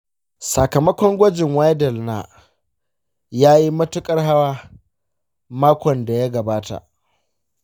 sakamakon gwajin widal na, ya yi matuƙar hawaa makon da ya gabata.